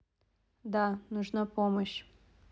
да нужна помощь